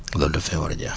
loolu daf fee war a jeex